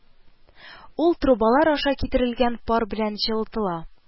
Ул трубалар аша китерелгән пар белән җылытыла